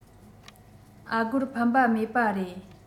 ཨ སྒོར ཕན པ མེད པ རེད